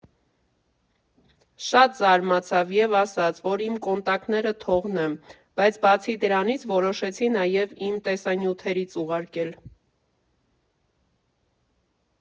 Շատ զարմացավ և ասաց, որ իմ կոնտակները թողնեմ, բայց բացի դրանից, որոշեցի նաև իմ տեսանյութերից ուղարկել։